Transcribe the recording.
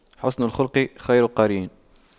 حُسْنُ الخلق خير قرين